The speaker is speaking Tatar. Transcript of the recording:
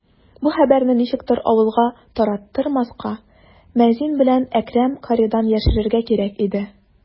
Бу хәбәрне ничектер авылга тараттырмаска, мәзин белән Әкрәм каридан яшерергә кирәк иде.